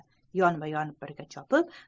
yonma yon birga chopib